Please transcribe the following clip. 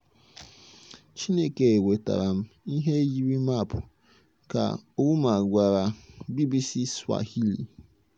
Chineke wetara m ihe yiri maapụ, ka Ouma gwara BBC Swahili.